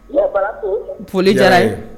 foli diyara an ye